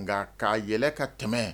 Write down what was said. Nka k'a yɛlɛ ka tɛmɛ